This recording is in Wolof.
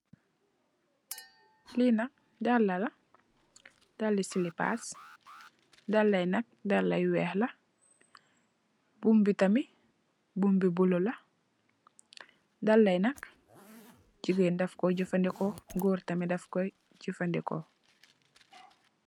Lii nak dallë la, dalli silipaas, dallë yi nak, dallë yu weex la, buum bi tamit, buum bu bulo la, dallë yi nak, jigéen daf kooy jafëndekoo, góor daf kooy jafëndekoo.